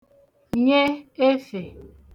nye efè